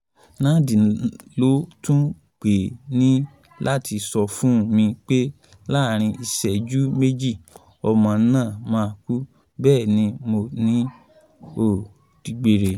Nad náà ló tún pè mí láti sọ fún mi pé láàrin ìṣẹ́jú méjì, ọmọ náà máa kú. Bẹ́è ni mo ní ó digbére.